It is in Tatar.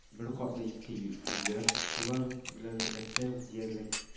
Бер катлы иске өйләр, шулар белән рәттән үк диярлек